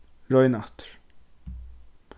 royn aftur